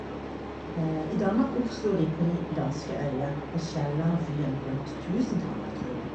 I Danmark oppstod de på de danske øyer, på Sjælland og Fyn, rundt tusentallet, tror vi.